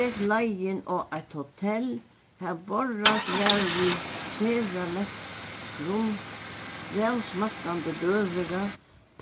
gekk leiðin á eitt hotell har borðreitt var við sera vælsmakkandi døgurða